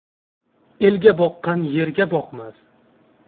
elga boqqan yerga boqmas